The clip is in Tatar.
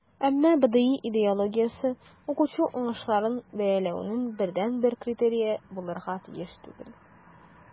Әмма БДИ идеологиясе укучы уңышларын бәяләүнең бердәнбер критерие булырга тиеш түгел.